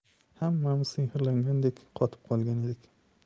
hammamiz sehrlangandek qotib qolgan edik